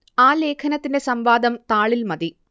ആ ലേഖനത്തിന്റെ സംവാദം താളിൽ മതി